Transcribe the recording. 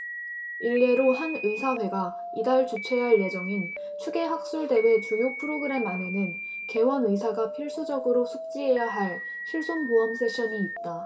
일례로 한 의사회가 이달 주최할 예정인 추계 학술대회 주요 프로그램 안에는 개원의사가 필수적으로 숙지해야 할 실손보험 세션이 있다